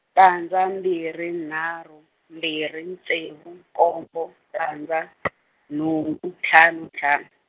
tandza mbirhi nharhu, mbirhi ntsevu nkombo tandza , nhungu ntlhanu ntlhanu.